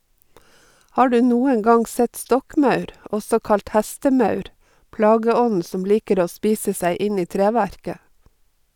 Har du noen gang sett stokkmaur , også kalt hestemaur, plageånden som liker å spise seg inn i treverket?